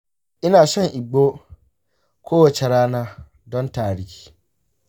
ina shan agbo kowace rana don tari.